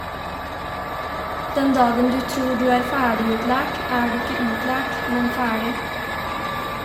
Den dagen du tror du er ferdigutlært er du ikke utlært , men ferdig.